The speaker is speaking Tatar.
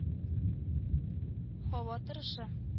Һава торышы